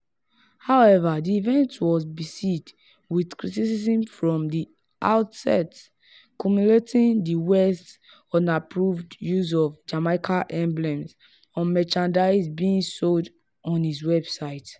However, the event was besieged with criticism from the outset, culminating with West's unapproved use of Jamaican emblems on merchandise being sold on his website.